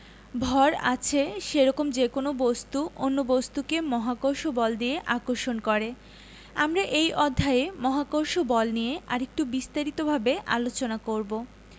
ভর আছে সেরকম যেকোনো বস্তু অন্য বস্তুকে মহাকর্ষ বল দিয়ে আকর্ষণ করে আমরা এই অধ্যায়ে মহাকর্ষ বল নিয়ে আরেকটু বিস্তারিতভাবে আলোচনা করব